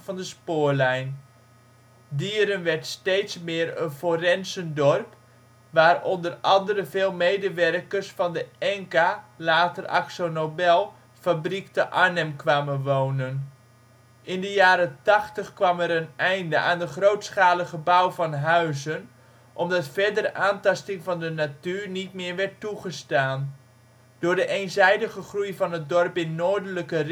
de spoorlijn. Dieren werd steeds meer een forensendorp waar onder andere veel medewerkers van de ENKA - (later AKZO (Nobel) -) fabriek te Arnhem kwamen wonen. In de jaren tachtig kwam er een einde aan de grootschalige bouw van huizen omdat verdere aantasting van de natuur niet meer werd toegestaan. Door de eenzijdige groei van het dorp in noordelijke